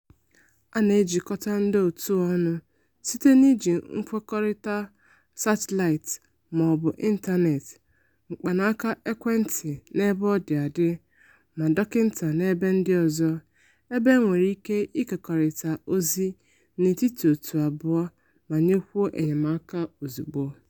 A na-ejikọta ndị òtù a ọnụ site n'iji nkwukọrịta satịlaịtị maọbụ ịntanetị/mkpanaaka ekwentị (n'ebe ọ dị adị) ma dọkịta n'ebe ndị ọzọ, ebe e nwere ike ịkekọrịta ozi n'etiti ọ̀tù abụọ a ma nyekwuo enyemaka ozugbo."